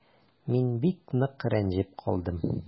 Мин бик нык рәнҗеп калдым.